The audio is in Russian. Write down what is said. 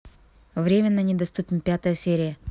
временно недоступен пятая серия